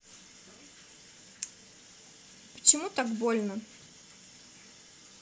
почему так больно